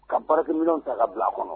Ka baarakiminɛw ta ka bila kɔnɔ